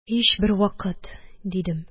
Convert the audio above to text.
Һичбер вакыт! – дидем.